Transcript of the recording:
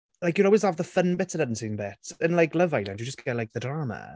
Like you always have the fun bits in Unseen Bits. In like, Love Island, you just get like the drama.